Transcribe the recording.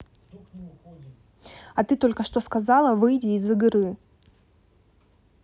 а ты только что сказала выйди из игры